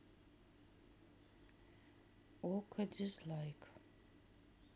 okko дизлайк